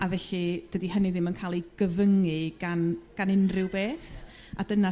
a felly dydi hynny ddim yn ca'l eu gyfyngu gan gan unrhyw beth a dyna